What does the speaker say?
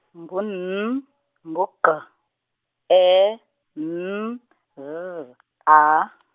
ngu N, ngu G, E, N, Z, A.